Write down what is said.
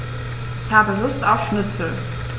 Ich habe Lust auf Schnitzel.